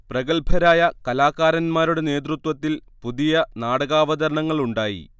പ്രഗല്ഭരായ കലാകാരന്മാരുടെ നേതൃത്വത്തിൽ പുതിയ നാടകാവതരണങ്ങളുണ്ടായി